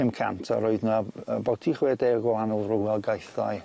Pum cant a roedd 'na abyti chwe deg o wahanol rywogaethau.